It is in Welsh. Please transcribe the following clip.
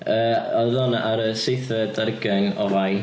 YY oedd hwn ar y seithfed ar hugain o Fai.